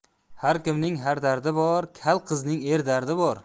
har kimning har dardi bor kal qizning er dardi bor